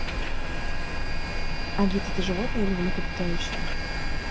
агит это животное или млекопитающее